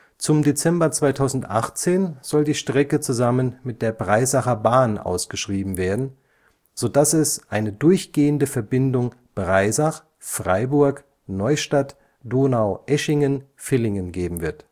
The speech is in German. Zum Dezember 2018 soll die Strecke zusammen mit der Breisacher Bahn ausgeschrieben werden, so dass es eine durchgehende Verbindung Breisach – Freiburg – Neustadt – Donaueschingen – Villingen geben wird